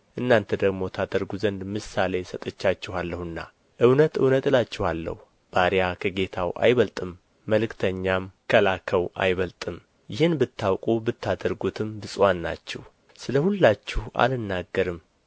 እናንተ ደግሞ ታደርጉ ዘንድ ምሳሌ ሰጥቻችኋለሁና እውነት እውነት እላችኋለሁ ባሪያ ከጌታው አይበልጥም መልእክተኛም ከላከው አይበልጥም ይህን ብታውቁ ብታደርጉትም ብፁዓን ናችሁ ስለ ሁላችሁ አልናገርም